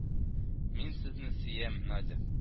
Мин сезне сөям, Надя